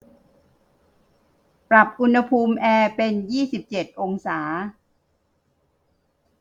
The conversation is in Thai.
ปรับอุณหภูมิแอร์เป็นยี่สิบเจ็ดองศา